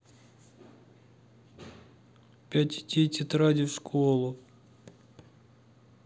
пять идей тетради в школу